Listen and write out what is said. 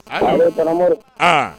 Amori a